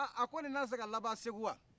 aa a ko nin na se ka laban segu wa